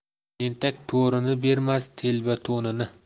tentak to'rini bermas telba to'nini